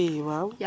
i waaw